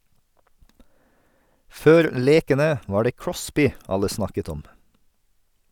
Før lekene var det Crosby alle snakket om.